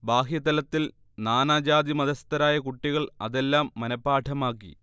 ബാഹ്യതലത്തിൽ നാനാ ജാതി-മതസ്ഥരായ കുട്ടികൾ അതെല്ലാം മനപ്പാഠമാക്കി